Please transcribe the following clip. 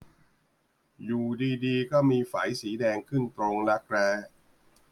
อยู่ดีดีก็มีไฝสีแดงขึ้นตรงรักแร้